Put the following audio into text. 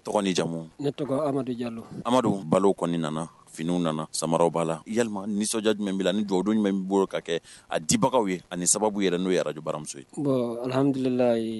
Tɔgɔ ni jamu ? Ne tɔgɔ, Amadu Jalo; Amadu, balo kɔnni nana, finiw nana, samaraw b'a la.yalima nisɔndiya jumɛn b'i la ani dugawu don jumɛn b'i bolo ka kɛ a dibaga ye ani sababu yɛrɛ n'o yɛrɛ n'o radio baramuso ye. Bon alihamidulilahi